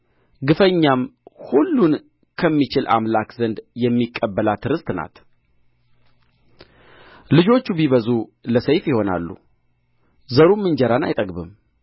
ግፈኛም ሁሉን ከሚችል አምላክ ዘንድ የሚቀበላት ርስት ናት ልጆቹ ቢበዙ ለሰይፍ ይሆናሉ ዘሩም እንጀራን አይጠግብም